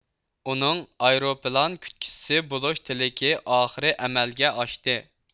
ئۇنىڭ ئايروپىلان كۈتكۈچىسى بولۇش تىلىكى ئاخىر ئەمەلگە ئاشتى